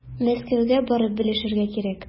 Мәскәүгә барып белешергә кирәк.